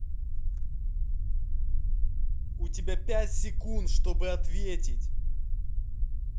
у тебя пять секунд чтобы ответить